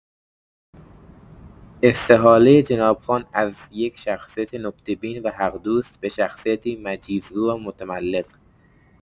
استحاله جناب خان از یک شخصیت نکته‌بین و حق‌دوست، به شخصیتی مجیزگو و متملق